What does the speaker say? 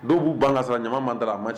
Dɔw b'u ban ka sara ɲama ma d a cɛ